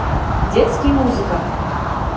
детский музыка